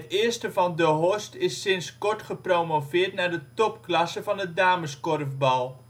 eerste van De Horst is sinds kort gepromoveerd naar de Topklasse van het dameskorfbal